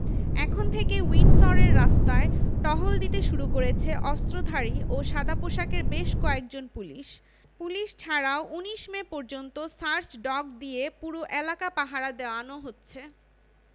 এখন থেকেই উইন্ডসরের রাস্তায় টহল দিতে শুরু করেছে অস্ত্রধারী ও সাদাপোশাকের বেশ কয়েকজন পুলিশ পুলিশ ছাড়াও ১৯ মে পর্যন্ত সার্চ ডগ দিয়ে পুরো এলাকা পাহারা দেওয়ানো হচ্ছে